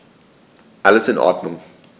Alles in Ordnung.